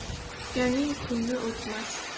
kutganning kuni o'tmas